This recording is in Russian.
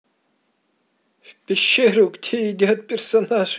в пещеру где едят персонажей